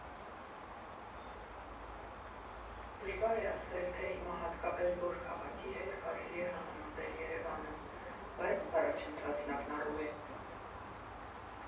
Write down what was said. Դժվար է ասել, թե հիմա հատկապես որ քաղաքի հետ կարելի է համեմատել Երևանը, բայց առաջընթացն ակնառու է։